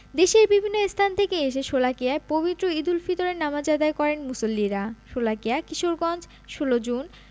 দেশের বিভিন্ন স্থান থেকে এসে শোলাকিয়ায় পবিত্র ঈদুল ফিতরের নামাজ আদায় করেন মুসল্লিরা শোলাকিয়া কিশোরগঞ্জ ১৬ জুন